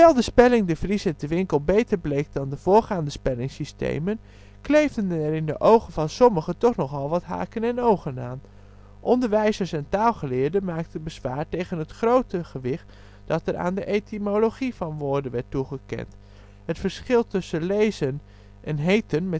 de spelling-De Vries en Te Winkel beter bleek dan de voorgaande spellingsystemen, kleefden er in de ogen van sommigen toch nogal wat haken en ogen aan. Onderwijzers en taalgeleerden maakten bezwaar tegen het grote gewicht dat er aan de etymologie van woorden werd toegekend. Het verschil tussen lezen en heetten